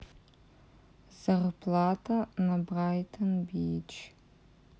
зарплата на брайтон бич